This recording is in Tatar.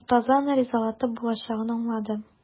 Мортаза аны ризалатып булачагын аңлады.